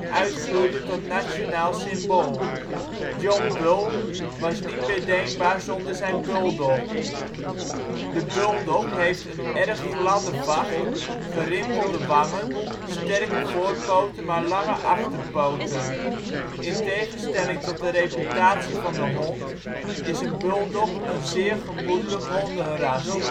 uitgroeide tot nationaal symbool: John Bull was niet meer denkbaar zonder zijn Bulldog. De Bulldog heeft een erg gladde vacht, gerimpelde wangen, sterke voorpoten maar langere achterpoten. In tegenstelling tot de reputatie van de hond is een Bulldog een zeer gemoedelijk hondenras